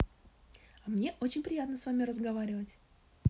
а мне очень приятно с вами разговаривать